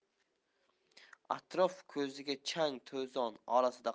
atrof ko'ziga chang to'zon orasida